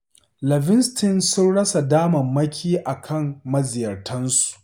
Livingston sun rasa damammaki a kan maziyartansu